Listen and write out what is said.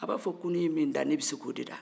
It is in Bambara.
a b'a fɔ ko n'i ye min da ne bɛ se k'o de da